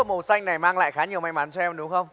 màu xanh này mang lại khá nhiều may mắn cho em đúng không